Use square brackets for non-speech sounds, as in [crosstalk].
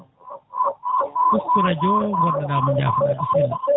[noise] ustu radio o goɗɗoɗamo jafoɗa bisimillae